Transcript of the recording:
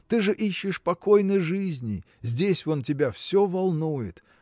Ты же ищешь покойной жизни: здесь вон тебя все волнует